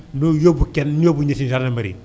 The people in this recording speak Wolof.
nga yóbbu kenn yóbbu nit yi gendarmerie